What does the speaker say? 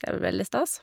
Det blir veldig stas.